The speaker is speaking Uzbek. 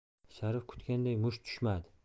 sharif kutganday musht tushmadi